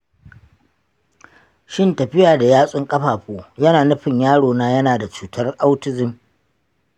shin tafiya da yatsun ƙafafu yana nufin yarona yana da cutar autism